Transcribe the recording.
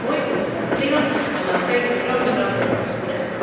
mwy 'c'os fyddai d'i blino a ma'r y mynd rownd a rownd